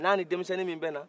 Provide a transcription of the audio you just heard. n'a ni denmisɛnnin min bɛnna